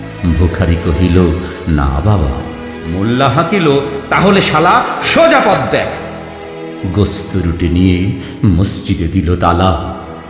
ভুখারী কহিল না বাবা মোল্লা হাঁকিল তা হলে শালা সোজা পথ দেখ গোস্ত রুটি নিয়ে মসজিদে দিল তালা